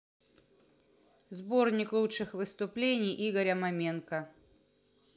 сборник лучших выступлений игоря маменко